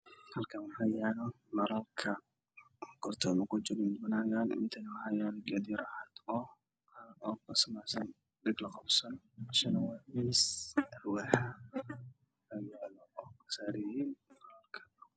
Laambad kartoon kujiro iyo tu fiiqan